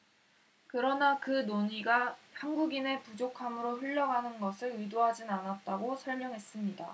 그러나 그 논의가 한국인의 부족함으로 흘러가는 것을 의도하진 않았다고 설명했습니다